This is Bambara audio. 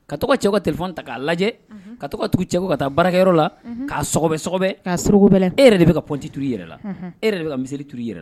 Ka tɔgɔ ka cɛ ka t ta k'a lajɛ ka tɔgɔ tugu cɛ ka taa baarakɛyɔrɔ la'abɛ'a suru bɛ e yɛrɛ de bɛ ka pɔti turu i yɛrɛ la e yɛrɛ de bɛ ka misiri t i yɛrɛ